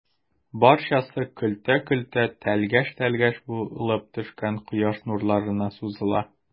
Барчасы көлтә-көлтә, тәлгәш-тәлгәш булып төшкән кояш нурларына сузыла.